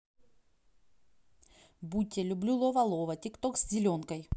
будьте люблю ловалова тик ток с зеленкой